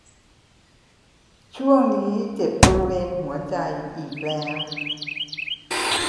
ช่วงนี้เจ็บบริเวณหัวใจอีกแล้ว